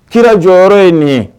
Kira jɔyɔrɔ ye nin ye